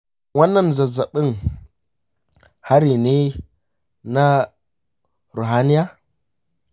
shin wannan zazzabin hari ne na ruhaniya?